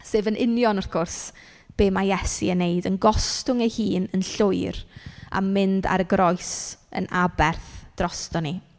Sef yn union wrth gwrs be ma' Iesu yn wneud, yn gostwng ei hun yn llwyr a mynd ar y groes yn aberth droston ni.